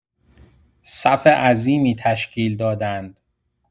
صف عظیمی تشکیل دادند.